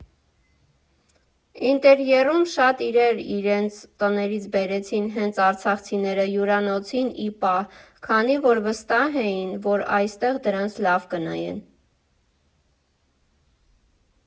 Ինտերերում շատ իրեր իրենց տներից բերեցին հենց արցախցիները, հյուրանոցին ի պահ, քանի որ վստահ էին, որ այստեղ դրանց լավ կնայեն։